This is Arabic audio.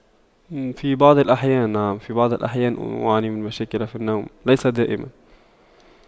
في بعض الأحيان في بعض الأحيان أعاني من مشاكل في النوم ليس دائما